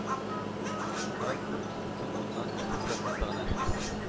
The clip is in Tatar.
Кырык дүрт бөтен уннан ике проценты гына эшли,